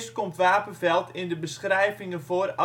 komt Wapenveld in de beschrijvingen voor